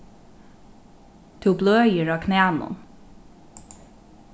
tú bløðir á knænum